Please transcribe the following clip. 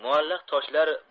muallaq toshlar